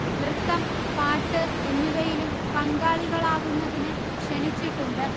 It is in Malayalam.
നൃത്തം പാട്ട് എന്നിവയിലും പങ്കാളികളാകുന്നതിന് ക്ഷണിച്ചിട്ടുണ്ട്